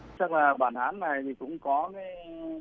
chắc là bản án này thì cũng có